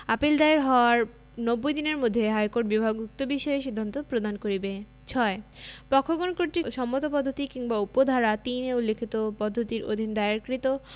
appeal দায়ের হওয়ার নব্বই দিনের মধ্যে হাইকোর্ট বিভাগ উক্ত বিষয়ে সিদ্ধান্ত প্রদান করিবে ৬ পক্ষগণ কর্তৃক সম্মত পদ্ধতি কিংবা উপ ধারা ৩ এ উল্লেখিত পদ্ধতির অধীন দায়েরকৃত